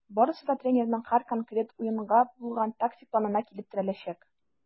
Барысы да тренерның һәр конкрет уенга булган тактик планына килеп терәләчәк.